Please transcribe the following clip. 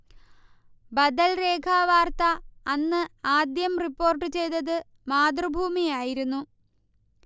ബദൽരേഖാ വാർത്ത അന്ന് ആദ്യം റിപ്പോർട്ടുചെയ്തത് മാതൃഭൂമിയായിരുന്നു